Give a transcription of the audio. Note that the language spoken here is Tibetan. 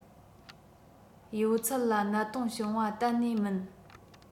ཡོད ཚད ལ གནད དོན བྱུང བ གཏན ནས མིན